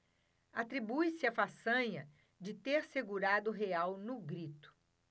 atribuiu-se a façanha de ter segurado o real no grito